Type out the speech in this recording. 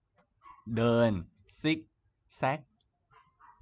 เดินซิกแซก